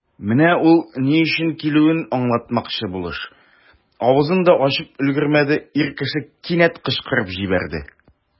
Менә ул, ни өчен килүен аңлатмакчы булыш, авызын да ачып өлгермәде, ир кеше кинәт кычкырып җибәрде.